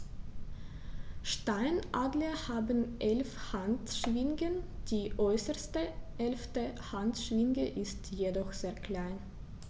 Steinadler haben 11 Handschwingen, die äußerste (11.) Handschwinge ist jedoch sehr klein.